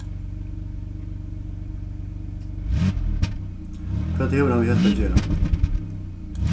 hvat hevur hann við hetta at gera